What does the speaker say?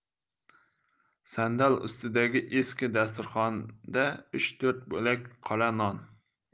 sandal ustidagi eski dasturxonda uch to'rt bo'lak qora non